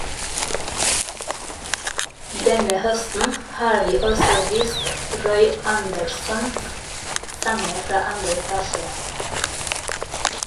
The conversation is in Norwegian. Denne høsten har vi også vist Roy Anderssons "Sanger fra andre etasje".